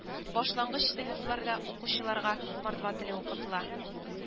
Башлангыч сыйныфларда укучыларга мордва теле укытыла